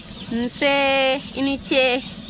nse i ni ce